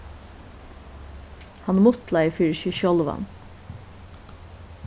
hann mutlaði fyri seg sjálvan